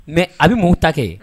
Mais a bɛ mɔɔw ta kɛ